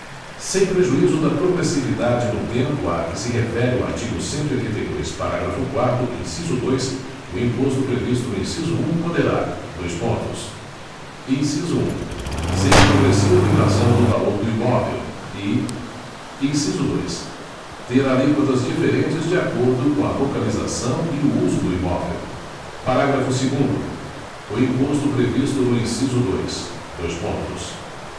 sem prejuízo da progressividade no tempo a que se refere o artigo cento e oitenta e dois parágrafo quarto inciso dois o imposto previsto no inciso um poderá dois pontos inciso um ser progressivo em razão do valor do imóvel e inciso dois ter alíquotas diferentes de acordo com a localização e o uso do imóvel parágrafo segundo o imposto previsto no inciso dois dois pontos